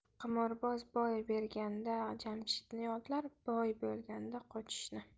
qimorboz boy berganda jamshidni yodlar boy bo'lganda qochishni